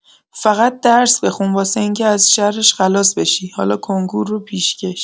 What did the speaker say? فقط درس بخون واسه اینکه از شرش خلاص بشی، حالا کنکور رو پیشکش.